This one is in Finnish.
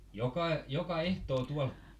joka joka ehtoo tuolla